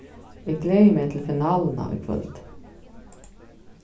eg gleði meg til finaluna í kvøld